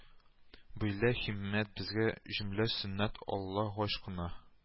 Бөйлә һиммәт безгә җөмлә сөннәт Алла гыйшкына